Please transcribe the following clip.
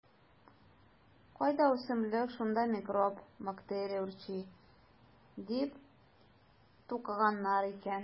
Кайда үсемлек - шунда микроб-бактерия үрчи, - дип тукыганнар икән.